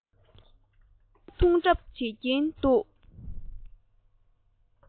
ཙོག ནས ཐུག པ འཐུང གྲབས བྱེད ཀྱིན འདུག